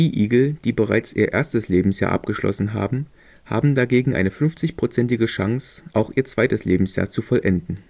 Igel, die bereits ihr erstes Lebensjahr abgeschlossen haben, haben dagegen eine 50-prozentige Chance, auch ihr zweites Lebensjahr zu vollenden